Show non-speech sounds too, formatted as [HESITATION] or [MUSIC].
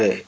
[HESITATION] [HESITATION]